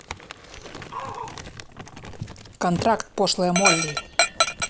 контракт пошлая молли